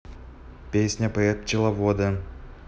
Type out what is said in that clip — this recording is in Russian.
песня про пчеловода